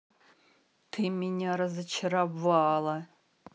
ты меня разочаровала